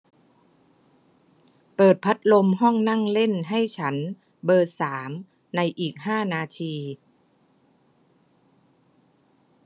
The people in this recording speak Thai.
เปิดพัดลมห้องนั่งเล่นให้ฉันเบอร์สามในอีกห้านาที